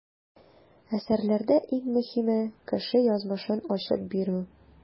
Әсәрләрдә иң мөһиме - кеше язмышын ачып бирү.